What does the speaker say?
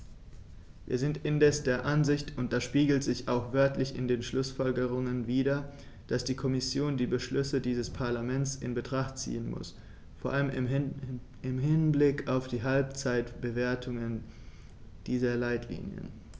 Wir sind indes der Ansicht und das spiegelt sich auch wörtlich in den Schlussfolgerungen wider, dass die Kommission die Beschlüsse dieses Parlaments in Betracht ziehen muss, vor allem im Hinblick auf die Halbzeitbewertung dieser Leitlinien.